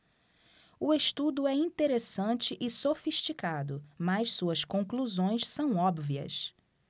o estudo é interessante e sofisticado mas suas conclusões são óbvias